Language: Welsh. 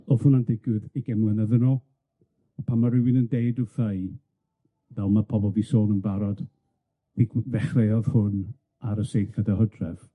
O'dd hwnna'n digwydd ugian mlynedd yn ôl, a pan ma rywun yn deud wrtha i, fel ma' pobol 'di sôn yn barod, ddigw- ddechreuodd hwn ar y seithfed o Hydref.